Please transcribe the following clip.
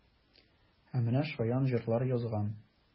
Ә менә шаян җырлар язган!